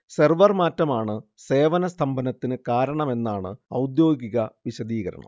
server മാറ്റമാണ് സേവന സ്തംഭനത്തിന് കാരണമെന്നാണ് ഔദ്യോഗിക വിശദീകരണം